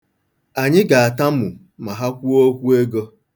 Anyị ga-atamu ma ha kwuo okwu ego.